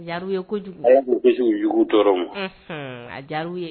Ja ye kojugujugu tɔɔrɔ a jaw ye